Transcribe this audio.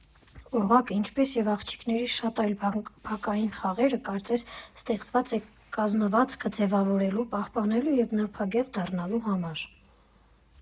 Օղակը, ինչպես և աղջիկների շատ այլ բակային խաղեր, կարծես ստեղծված է կազմվածքը ձևավորելու, պահպանելու և նրբագեղ դառնալու համար։